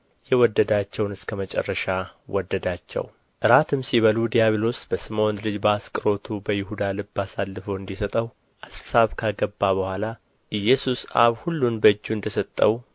የወደዳቸውን እስከ መጨረሻ ወደዳቸው እራትም ሲበሉ ዲያብሎስ በስምዖን ልጅ በአስቆሮቱ በይሁዳ ልብ አሳልፎ እንዲሰጠው አሳብ ካገባ በኋላ ኢየሱስ አብ ሁሉን በልጁ እንደ ሰጠው